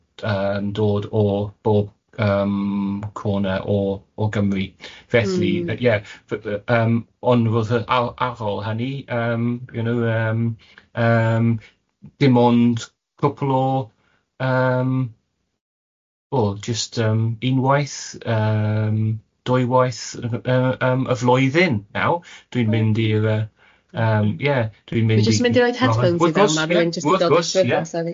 yy dod o bob yym corner o o Gymru felly... M-hm. ...yy ie f- yy yym ond roedd y ar- ar ôl hynny yym you know yym yym dim ond cwpl o yym, wel jyst yym unwaith yym dwywaith yy yym y flwyddyn naw dwi'n mynd i'r yy yym ie... Dwi'n mynd i dwi jyst yn mynd i roid headphones i fewn ma' rywun jyst yn dod i'r swyddfa sori. Wrth gwrs, ie, wrth gwrs.